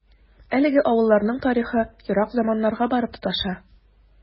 Әлеге авылларның тарихы ерак заманнарга барып тоташа.